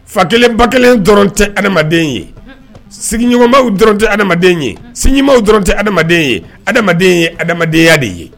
Fa kelen ba kelen dɔrɔn tɛ adamaden ye sigiɲɔgɔnmaw dɔrɔn tɛ adamadenya ye sinjimaw dɔrɔn tɛ adamadenya ye adamaden ye adamadenyaya de ye.